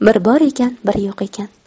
bir bor ekan bir yo'q ekan